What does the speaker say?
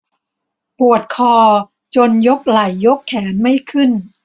ปวดคอจนยกไหล่ยกแขนไม่ขึ้น